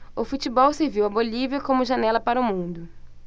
o futebol serviu à bolívia como janela para o mundo